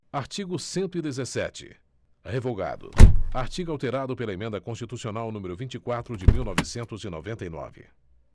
artigo cento e dezessete revogado artigo alterado pela emenda constitucional número vinte e quatro de mil novecentos e noventa e nove